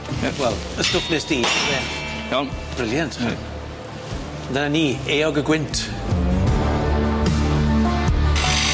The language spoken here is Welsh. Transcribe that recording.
Yy wel, y stwff nes di ta beth. Iawn. Briliant mae... 'Na 'ny, eog y gwynt.